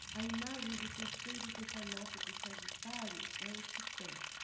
a imagem do terceiro decanato de sagitário é o titã